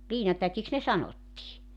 liinatäkiksi ne sanottiin